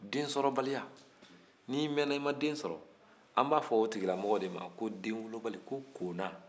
densɔrɔbaliya n'i mɛnna i ma den sɔrɔ an n'a fɔ o tigila mɔgɔ ma ko kona